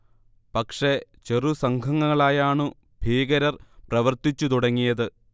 പക്ഷേ, ചെറു സംഘങ്ങളായാണു ഭീകരർ പ്രവർത്തിച്ചു തുടങ്ങിയത്